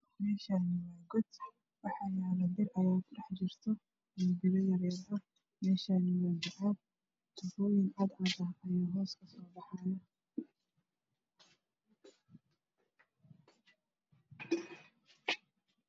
Meeshaan waa god bir ayaa kudhex jirto iyo biro yaryar ah meeshaan waa bacaad tubooyin cadcad ah ayaa hoos kasoo baxaayo.